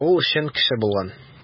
Ул чын кеше булган.